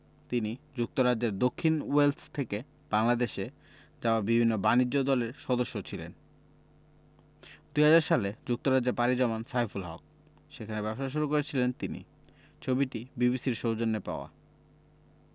তিনি যুক্তরাজ্যের দক্ষিণ ওয়েলস থেকে বাংলাদেশে যাওয়া বিভিন্ন বাণিজ্য দলের সদস্য ছিলেন ২০০০ সালে যুক্তরাজ্যে পাড়ি জমান সাইফুল হক সেখানে ব্যবসা শুরু করেছিলেন তিনি ছবিটি বিবিসির সৌজন্যে পাওয়া